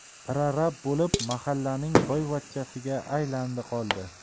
prorab bo'lib mahallaning boyvachchasiga aylandi qoldi